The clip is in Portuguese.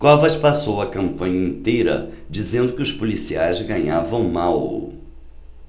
covas passou a campanha inteira dizendo que os policiais ganhavam mal